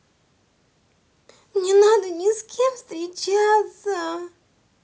мне надо ни с кем встречаться